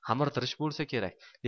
xamirturush bo'lsa kerak